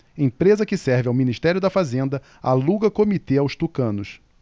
empresa que serve ao ministério da fazenda aluga comitê aos tucanos